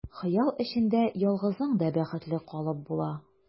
Хыял эчендә ялгызың да бәхетле калып була.